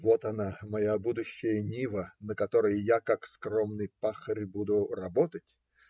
"Вот она, моя будущая нива, на которой я, как скромный пахарь, буду работать",